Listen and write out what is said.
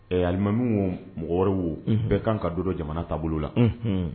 Ɛɛ alilimami mɔgɔɔrɔ wo bɛɛ kan ka don jamana taabolo bolo la